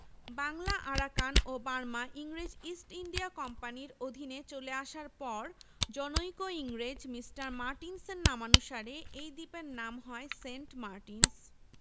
Bangla Arakan ও Burma ইংরেজ East India কোম্পানির অধীনে চলে আসার পর জনৈক ইংরেজ মি মার্টিনসের নামানুসারে এই দ্বীপের নাম হয় সেন্ট মার্টিনস